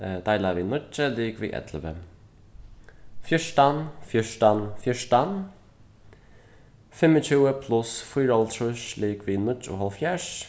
deila við níggju ligvið ellivu fjúrtan fjúrtan fjúrtan fimmogtjúgu pluss fýraoghálvtrýss ligvið níggjuoghálvfjerðs